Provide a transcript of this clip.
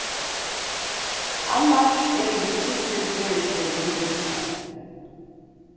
annars eru vit tríggir føroyskir lingvistar